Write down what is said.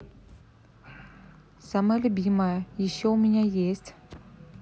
самая любимая еще у меня есть